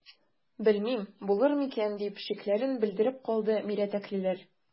Белмим, булыр микән,– дип шикләрен белдереп калды мирәтәклеләр.